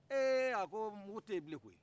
ee a ko mungu tɛ yen bilen koyi